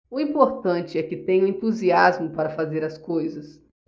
o importante é que tenho entusiasmo para fazer as coisas